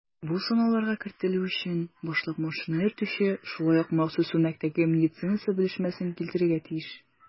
Бу сынауларга кертелү өчен башлап машина йөртүче шулай ук махсус үрнәктәге медицинасы белешмәсен китерергә тиеш.